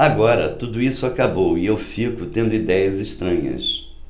agora tudo isso acabou e eu fico tendo idéias estranhas